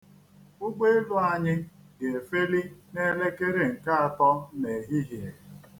Ụgbọelu anyị ga-efeli n'elekere nke atọ n'ehihie.